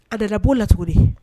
A de'o lat tugunidi